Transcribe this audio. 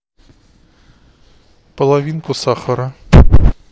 половинку сахара